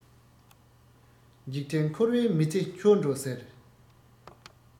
འཇིག རྟེན འཁོར བའི མི ཚེ འཁྱོལ འགྲོ ཟེར